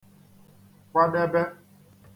kwadebē